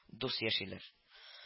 Дус яшиләр